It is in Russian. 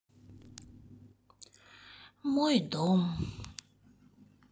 мой дом